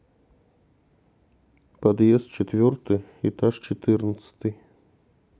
подъезд четвертый этаж четырнадцатый